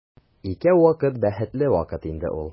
Икәү вакыт бәхетле вакыт инде ул.